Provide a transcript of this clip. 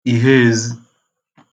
ìhe ezə